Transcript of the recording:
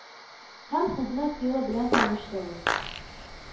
Һәм хезмәт юлы белән таныштыгыз